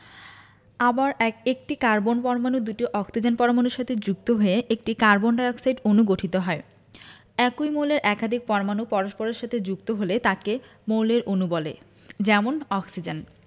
আবার একটি কার্বন পরমাণু দুটি অক্সিজেন পরমাণুর সাথে যুক্ত হয়ে একটি কার্বন ডাই অক্সাইড অণু গঠিত হয় একই মৌলের একাধিক পরমাণু পরস্পরের সাথে যুক্ত হলে তাকে মৌলের অণু বলে যেমন অক্সিজেন